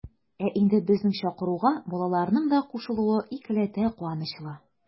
Ә инде безнең чакыруга балаларның да кушылуы икеләтә куанычлы.